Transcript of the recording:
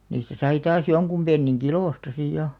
niistä sai taas jonkun pennin kilosta sitten ja